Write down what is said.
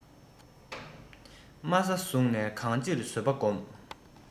དམའ ས བཟུང ནས གང ཅིར བཟོད པ སྒོམ